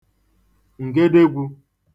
ǹgedegwū